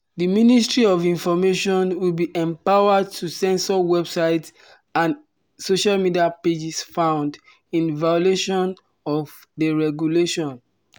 The Ministry of Information will be empowered to censor websites and social media pages found in violation of the regulation.